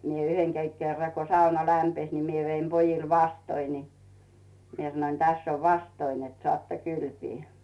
niin minä yhden - kerran kun sauna lämpisi niin minä vein pojille vastoja niin minä sanoin tässä on vastoja että saatte kylpeä